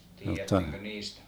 tiedättekö niistä